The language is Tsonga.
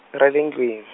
ra le ndlwin-.